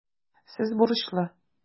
Сез бурычлы.